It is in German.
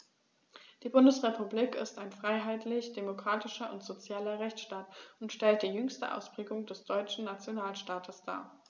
Die Bundesrepublik ist ein freiheitlich-demokratischer und sozialer Rechtsstaat und stellt die jüngste Ausprägung des deutschen Nationalstaates dar.